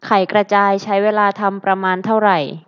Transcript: ไข่กระจายใช้เวลาทำประมาณเท่าไหร่